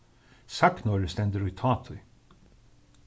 sagnorðið stendur í tátíð